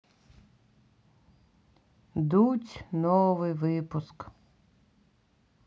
дудь новый выпуск